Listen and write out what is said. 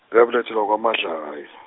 ngabelethelwa kwaMadlayi .